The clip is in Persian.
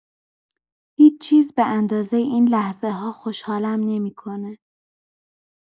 هیچ‌چیز به اندازۀ این لحظه‌ها خوشحالم نمی‌کنه.